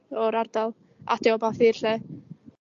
o'r ardal adio wbath i'r lle.